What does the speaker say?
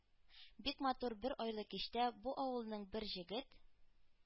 Бик матур бер айлы кичтә бу авылның бер Җегет